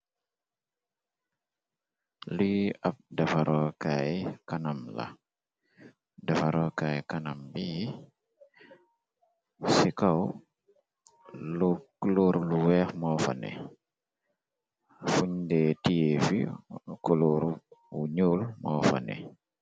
Lii ab defaroo kaay kanam la, defaroo kaay kanam bii, si kaw lu kuloor lu weex, moo fa nekkë, fuñ dee tiye, kuloor wu ñuul moo fa ne.